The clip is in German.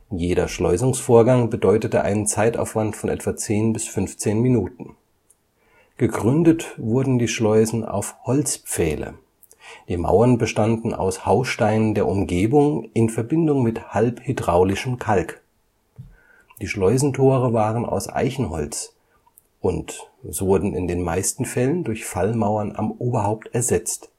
Jeder Schleusungsvorgang bedeutete einen Zeitaufwand von etwa 10 bis 15 Minuten. Gegründet wurden die Schleusen auf Holzpfähle, die Mauern bestanden aus Hausteinen der Umgebung in Verbindung mit halbhydraulischem Kalk. Die Schleusentore waren aus Eichenholz und sind wurden in den meisten Fällen durch Fallmauern am Oberhaupt ersetzt